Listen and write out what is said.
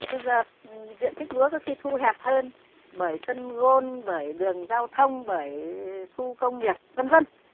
bây giờ diện tích lúa có khi thu hẹp hơn bởi sân gôn bởi đường giao thông bởi khu công nghiệp vân vân